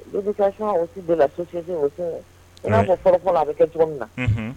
Éducation au sein de la société i na fɔ fɔlɔ fɔlɔ, a bɛ kɛ cogo min na.